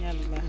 yàlla baax na